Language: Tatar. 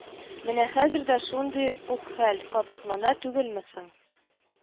Менә хәзер дә шундый ук хәл кабатлана түгелме соң